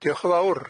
Dioch yn fawr.